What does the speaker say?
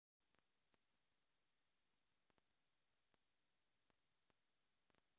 найди фильм джентльмены удачи на окко